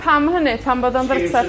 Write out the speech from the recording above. Pam hynny pam fod o'n ddrytach...